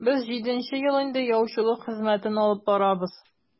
Без җиденче ел инде яучылык хезмәтен алып барабыз.